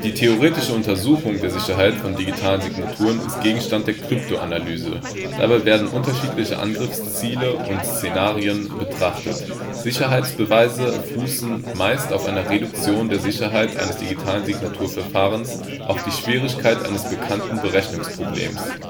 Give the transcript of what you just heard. theoretische Untersuchung der Sicherheit von digitalen Signaturen ist Gegenstand der Kryptoanalyse. Dabei werden unterschiedliche Angriffsziele und - szenarien betrachtet. Sicherheitsbeweise fußen meist auf einer Reduktion der Sicherheit eines digitalen Signaturverfahrens auf die Schwierigkeit eines bekannten Berechnungsproblems